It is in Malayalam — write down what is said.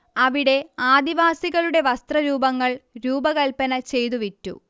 അവിടെ ആദിവാസികളുടെ വസ്ത്രരൂപങ്ങൾ രൂപകൽപ്പന ചെയ്തു വിറ്റു